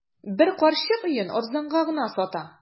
Бер карчык өен арзанга гына сата.